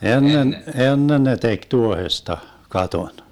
ennen ennen ne teki tuohesta katon